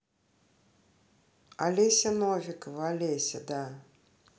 олеся новикова олеся да